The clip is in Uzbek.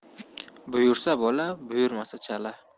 buyursa bola buyurmasa chala